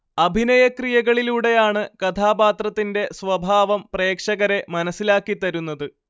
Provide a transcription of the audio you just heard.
അഭിനയ ക്രിയകളിലൂടെയാണ് കഥാപാത്രത്തിന്റെ സ്വഭാവം പ്രേക്ഷകരെ മനസ്സിലാക്കിതരുന്നത്